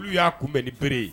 Olu y'a kunbɛn ni bereere ye